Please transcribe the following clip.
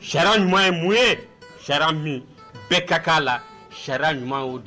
Sariya ɲuman ye mun ye ? Sariya min bɛɛ ka kan a la. Sariya ɲuman ye o de